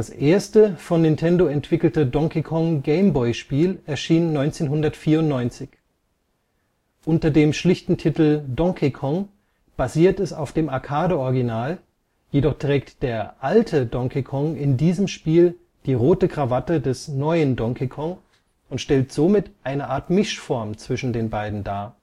erste, von Nintendo entwickelte Donkey-Kong-Game-Boy-Spiel erschien 1994. Unter dem schlichten Titel Donkey Kong basiert es auf dem Arcade-Original, jedoch trägt der „ alte “Donkey Kong in diesem Spiel die rote Krawatte des „ neuen “Donkey Kong und stellt somit eine Art Mischform zwischen den beiden dar